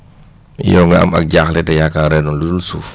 yow nga am ag jaaxle te yaakaaree na lu dul suuf